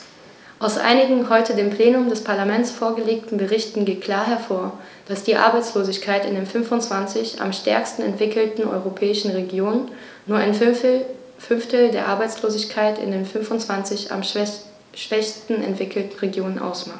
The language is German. Aus einigen heute dem Plenum des Parlaments vorgelegten Berichten geht klar hervor, dass die Arbeitslosigkeit in den 25 am stärksten entwickelten europäischen Regionen nur ein Fünftel der Arbeitslosigkeit in den 25 am schwächsten entwickelten Regionen ausmacht.